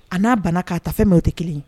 A n'a bana k'a ta fɛn min o tɛ kelen ye